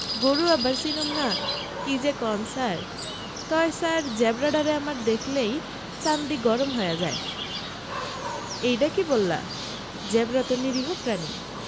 গরু আবার চিনুম না কি যে কন ছার তয় ছার জেব্রাডারে আমার দেখলেই চান্দি গরম হয়া যায় এইডা কি বললা জেব্রা তো নিরীহ প্রাণী..